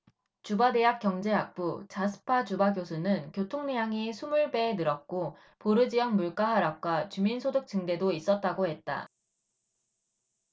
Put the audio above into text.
주바대학 경제학부 자스파 주바 교수는 교통량이 스물 배 늘었고 보르 지역 물가 하락과 주민 소득 증대도 있었다고 했다